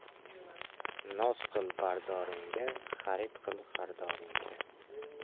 noz qil bardoringga xarid qil xaridoringga